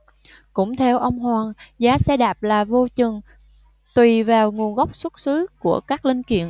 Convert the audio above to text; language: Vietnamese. cũng theo ông hoàng giá xe đạp là vô chừng tùy vào nguồn gốc xuất xứ của các linh kiện